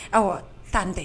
Aw tan tɛ